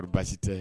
Kɔnni basi tɛ